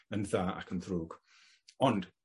yn dda ac yn ddrwg. Ond,